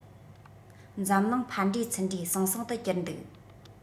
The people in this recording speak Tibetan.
འཛམ གླིང ཕར འགྲེ ཚུར འགྲེ ཟང ཟིང དུ གྱུར འདུག